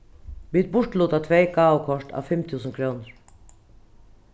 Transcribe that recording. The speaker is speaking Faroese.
vit burturluta tvey gávukort á fimm túsund krónur